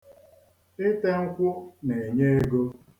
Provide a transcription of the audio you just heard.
Ite nkwụ na-enye ego.